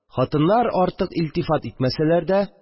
Хатыннар артык илтифат итмәсәләр дә